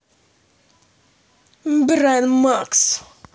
брайан макс